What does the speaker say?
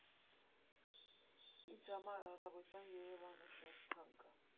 Ինձ համար առավոտյան Երևանը շատ թանկ ա։